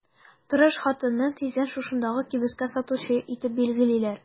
Тырыш хатынны тиздән шушындагы кибеткә сатучы итеп билгелиләр.